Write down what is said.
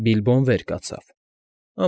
Բիլբոն վեր կացավ։